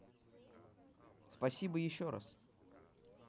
спасибо еще раз